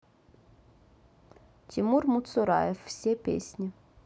тимур муцураев все песни